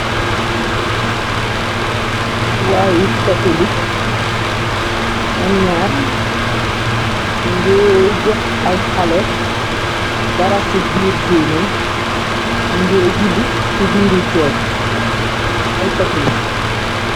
Waayi katulik ñumnyarr nu ngée jox ay xale dara ci biir géemey nu ngéy juli ci biiri church bi ay katulik la.